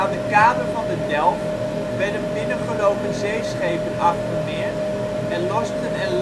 de kaden van de Delf werden binnengelopen zeeschepen afgemeerd en losten en